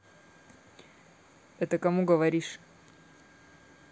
это кому говоришь